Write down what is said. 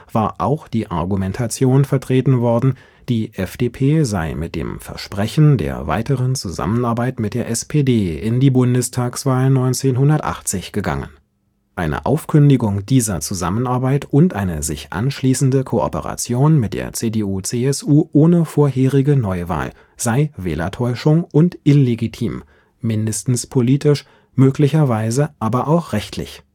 war auch die Argumentation vertreten worden, die FDP sei mit dem „ Versprechen “der weiteren Zusammenarbeit mit der SPD in die Bundestagswahl 1980 gegangen; eine Aufkündigung dieser Zusammenarbeit und eine sich anschließende Kooperation mit der CDU/CSU ohne vorherige Neuwahl sei Wählertäuschung und illegitim, mindestens politisch, möglicherweise aber auch rechtlich